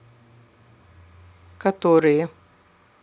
которые